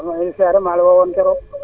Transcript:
Serigne Lo kër Allé encore